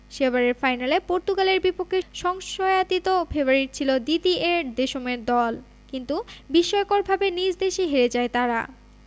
সেবারের ফাইনালে পর্তুগালের বিপক্ষে সংশয়াতীত ফেভারিট ছিল দিদিয়ের দেশমের দল কিন্তু বিস্ময়করভাবে নিজ দেশে হেরে যায় তারা